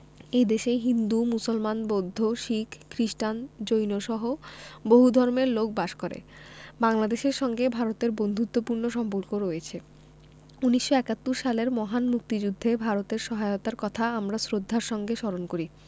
এ দেশে হিন্দু মুসলমান বৌদ্ধ শিখ খ্রিস্টান জৈনসহ বহু ধর্মের লোক বাস করে বাংলাদেশের সঙ্গে ভারতের বন্ধুত্তপূর্ণ সম্পর্ক রয়ছে ১৯৭১ সালের মহান মুক্তিযুদ্ধে ভারতের সহায়তার কথা আমরা শ্রদ্ধার সাথে স্মরণ করি